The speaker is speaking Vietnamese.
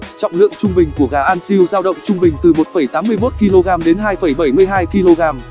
trọng lượng trung bình của gà alsil dao động trung bình từ kg đến kg